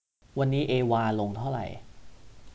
วันนี้เอวาลงเท่าไหร่